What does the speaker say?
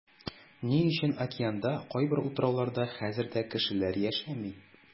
Ни өчен океанда кайбер утрауларда хәзер дә кешеләр яшәми?